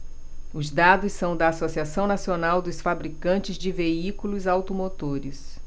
os dados são da anfavea associação nacional dos fabricantes de veículos automotores